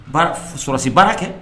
Sɔsi baara kɛ